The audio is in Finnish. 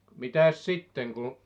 mitäs sitten kun